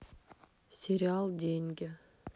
сериал деньги